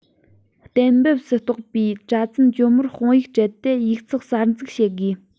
གཏན འབེབས སུ གཏོགས པའི གྲྭ བཙུན ཇོ མོར དཔང ཡིག སྤྲད དེ ཡིག ཚགས གསར འཛུགས བྱེད དགོས